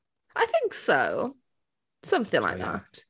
I think so! Something like that.